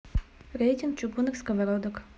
рейтинг чугунных сковородок